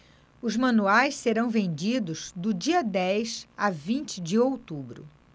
os manuais serão vendidos do dia dez a vinte de outubro